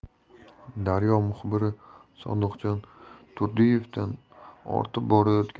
daryo muxbiri sodiqjon turdiyevdan ortib borayotgan oilaviy